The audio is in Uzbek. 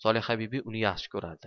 solihabibi uni yaxshi ko'rardi